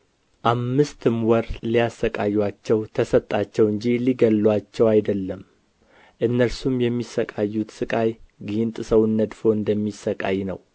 አምስትም ወር ሊሣቅዩአቸው ተሰጣቸው እንጂ ሊገድሉአቸው አይደለም እነርሱም የሚሣቅዩት ሥቃይ ጊንጥ ሰውን ነድፎ እንደሚሣቅይ ነው